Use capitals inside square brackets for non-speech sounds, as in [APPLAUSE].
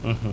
[HESITATION] [HESITATION]